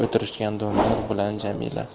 o'tirishgan doniyor bilan jamila